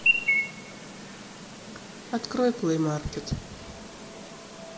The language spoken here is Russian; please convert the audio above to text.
открой плэй маркет